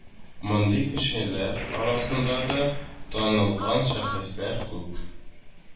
Мондый кешеләр арасында да танылган шәхесләр күп